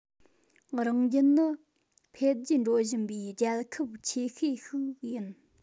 རང རྒྱལ ནི འཕེལ རྒྱས འགྲོ བཞིན པའི རྒྱལ ཁབ ཆེ ཤོས ཤིག ཡིན